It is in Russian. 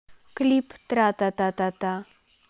клип тра та та та